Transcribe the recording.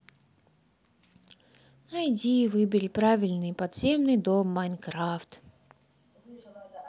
найди выбери правильный подземный дом майнкрафт